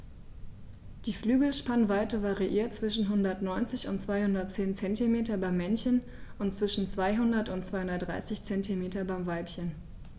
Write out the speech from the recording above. Die Flügelspannweite variiert zwischen 190 und 210 cm beim Männchen und zwischen 200 und 230 cm beim Weibchen.